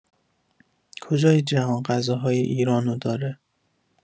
کجای جهان غذاهای ایران رو داره